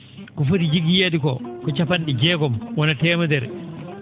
ko foti jiggoyeede ko capan?e jeegom wona teemedere